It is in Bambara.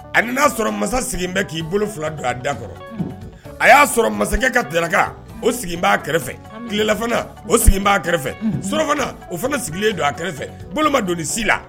Hali n'a sɔrɔ masa sigilen bɛ k'i bolo fila don a da kɔrɔ, a y'a sɔrɔ masakɛ ka daraka o sigi b'a kɛrɛfɛ, tilafana o sigi b'a kɛrɛfɛ, surafana o fana sigilen don a kɛrɛfɛ bolo ma don nin si la